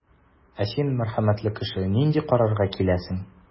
Ә син, мәрхәмәтле кеше, нинди карарга киләсең?